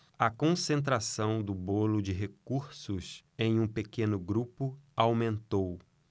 a concentração do bolo de recursos em um pequeno grupo aumentou